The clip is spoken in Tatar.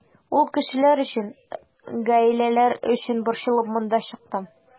Ул кешеләр өчен, гаиләләре өчен борчылып монда чыктым.